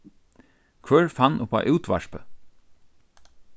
hvør fann upp á útvarpið